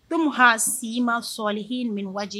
Donha si ma sɔli h minɛ waati